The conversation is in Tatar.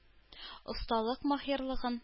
Осталык-маһирлыгын